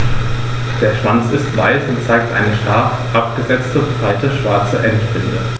Der Schwanz ist weiß und zeigt eine scharf abgesetzte, breite schwarze Endbinde.